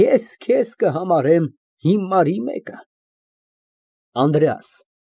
Առաստաղից քաշ արած ջահը տարածում է պայծառ լույս։ ՄԱՐԳԱՐԻՏ ֊ Բավական է։ (Դադարում է նվագել և դաշնամուրի կափարիչը ցած գցում։